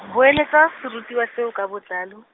boeletsa, serutwa seo ka botlalo.